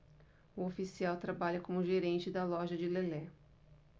o oficial trabalha como gerente da loja de lelé